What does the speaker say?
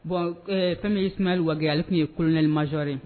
Bɔn fɛn yes wajibi ale tun ye kolonɛ mazore